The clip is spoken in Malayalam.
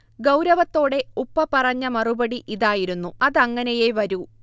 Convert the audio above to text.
ഗൗരവത്തോടെ ഉപ്പ പറഞ്ഞ മറുപടി ഇതായിരുന്നു: അതങ്ങനെയേ വരൂ